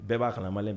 Bɛɛ b'a nama